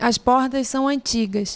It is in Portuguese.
as portas são antigas